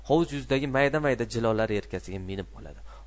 hovuz yuzidagi mayda mayda jilolar yelkasiga minib oladi